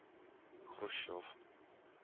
Хрущев